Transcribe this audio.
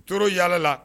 T yaala